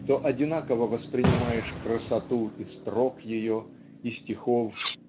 то одинаково воспринимаешь красоту и строк ее и стихов.